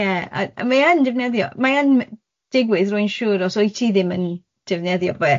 Ie, a a mae e'n defnyddio... Mae e'n m- digwydd rwy'n siŵr os wyt ti ddim yn defnyddio fe.